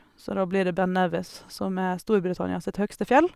Så da blir det Ben Nevis, som er Storbritannia sitt høyeste fjell.